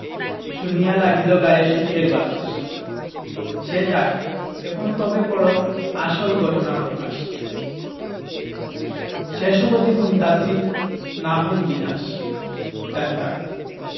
শুনিয়া লাগিল গায়ে সুখের বাতাস সে যাক এখন তবে করো আসল ঘটনা প্রকাশ শেষ অবধি মুনতাসীর না হন বিনাশ ডাক্তার